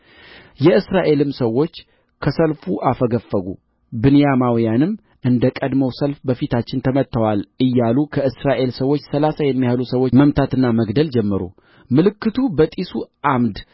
የእስራኤልም ሰዎች ከሰልፉ አፈገፈጉ ብንያማውያንም እንደ ቀድሞው ሰልፍ በፊታችን ተመትተዋል እያሉ ከእስራኤል ሰዎች ሠላሳ የሚያህሉ ሰዎች መምታትና መግደል ጀመሩ ምልክቱ በጢሱ ዓምድ